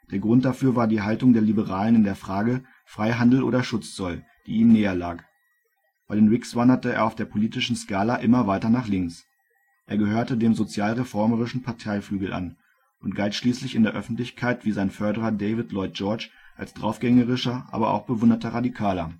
Grund dafür war die Haltung der Liberalen in der Frage " Freihandel oder Schutzzoll ", die ihm näher lag. Bei den Whigs wanderte er auf der politischen Skala immer weiter nach links. Er gehörte dem sozialreformerischen Parteiflügel an und galt schließlich in der Öffentlichkeit wie sein Förderer David Lloyd George als draufgängerischer, aber auch bewunderter Radikaler